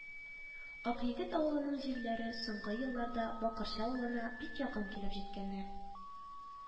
Акъегет авылының җирләре соңгы елларда Бакырчы авылына бик якын килеп җиткәннәр